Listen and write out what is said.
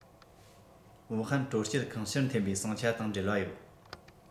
ཝུའུ ཧན སྤྲོ སྐྱིད ཁང ཕྱིར འཐེན པའི ཟིང ཆ དང འབྲེལ བ ཡོད